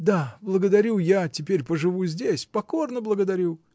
— Да, благодарю, а теперь я поживу здесь. Покорно благодарю.